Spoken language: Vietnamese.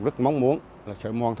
rất mong muốn là sớm hoàn